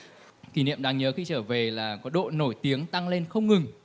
kỷ niệm đáng nhớ khi trở về là có độ nổi tiếng tăng lên không ngừng